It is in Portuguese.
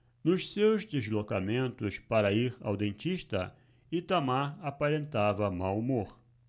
nos seus deslocamentos para ir ao dentista itamar aparentava mau humor